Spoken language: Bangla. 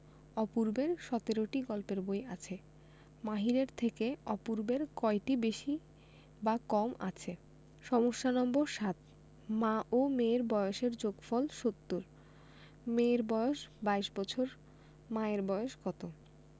অপূর্বের ১৭টি গল্পের বই আছে মাহিরের থেকে অপূর্বের কয়টি বেশি বা কম আছে সমস্যা নম্বর ৭ মা ও মেয়ের বয়সের যোগফল ৭০ মেয়ের বয়স ২২ বছর মায়ের বয়স কত